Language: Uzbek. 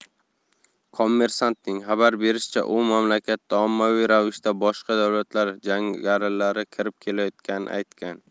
kommersant ning xabar berishicha u mamlakatga ommaviy ravishda boshqa davlatlar jangarilari kirib kelayotganini aytgan